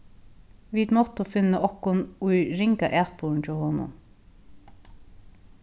vit máttu finna okkum í ringa atburðinum hjá honum